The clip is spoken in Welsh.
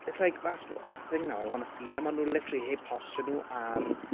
It's like, that's wh- that's the thing now, I want to see 'em, ond nhw literally heb postio nhw ar...